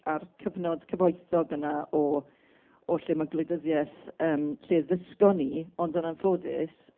a'r cyfnod cyfoethog yna o o lle ma' gwleidyddiaeth yym lle ddysgon ni, ond yn anffodus,